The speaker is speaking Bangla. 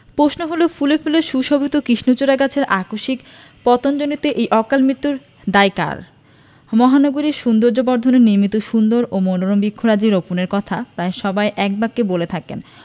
প্রশ্ন হলো ফুলে ফুলে সুশোভিত কৃষ্ণচূড়া গাছের আকস্মিক পতনজনিত এই অকালমৃত্যুর দায় কার মহানগরীর সৌন্দর্যবর্ধনের নিমিত্ত সুন্দর ও মনোরম বৃক্ষরাজি রোপণের কথা প্রায় সবাই একবাক্যে বলে থাকেন